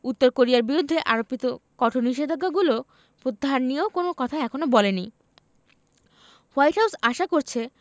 উত্তর কোরিয়ার বিরুদ্ধে আরোপিত কঠোর নিষেধাজ্ঞাগুলো প্রত্যাহার নিয়েও কোনো কথা এখনো বলেনি হোয়াইট হাউস আশা করছে